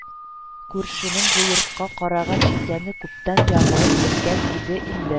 Күршенең бу йортка караган читәне күптән ягылып беткән иде инде